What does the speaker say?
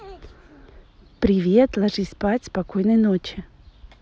привет ложись спать спокойной ночи